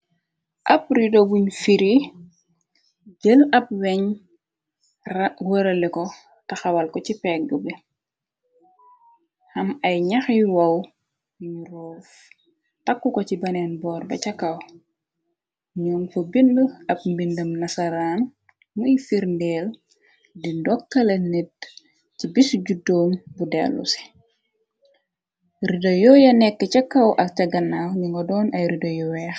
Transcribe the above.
Ab rido buñ firi jël ab weñ wëraleko taxawal ko ci pegg bi ham ay ñaax yu wow yuñu roof takku ko ci beneen boor ba ca kaw ñoon ba bind ab mbindam nasaraan buye firndeel di ndokkale nit ci bis juddoom bu dellu si rido yoya nekk ca kaw ak ca gannaaw ñu ngo doon ay rido yu weex.